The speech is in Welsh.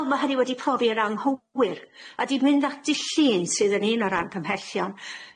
Wel ma' hynny wedi profi yn anghywir a 'di mynd at dy' Llun sydd yn un o'r argymhellion,